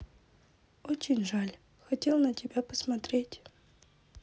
очень жаль хотел на тебя посмотреть